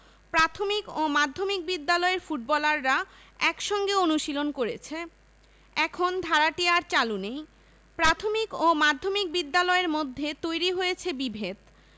প্রাথমিক ও মাধ্যমিক বিদ্যালয়ের ফুটবলাররা একসঙ্গে অনুশীলন করেছে এখন ধারাটি আর চালু নেই প্রাথমিক ও মাধ্যমিক বিদ্যালয়ের মধ্যে তৈরি হয়েছে বিভেদ